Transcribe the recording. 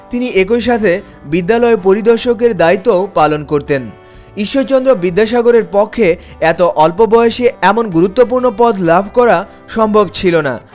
তিনি একই সাথে বিদ্যালয় পরিদর্শকের দায়িত্ব পালন করতেন ইশ্বরচন্দ্র বিদ্যাসাগর এর পক্ষে এত অল্প বয়সে এমন গুরুত্বপূর্ণ পদ লাভ করা সম্ভব ছিল না